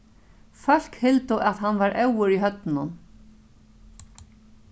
fólk hildu at hann var óður í høvdinum